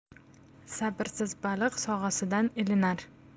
sabrsiz baliq sog'asidan ilinar